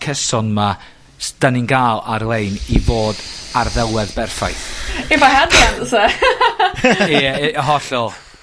cyson 'ma s- 'dyn ni'n ga'l ar lein i fod â'r ddelwedd berffaith? If I had the answer. Ie i- yy hollol.